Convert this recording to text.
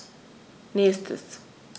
Nächstes.